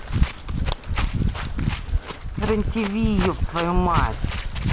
рен тиви еб твою мать